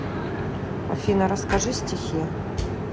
афина расскажи стихи